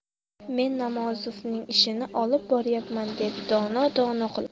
men namozovning ishini olib boryapman dedi dona dona qilib